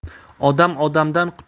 odam odamdan qutular